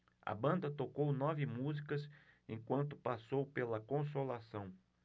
a banda tocou nove músicas enquanto passou pela consolação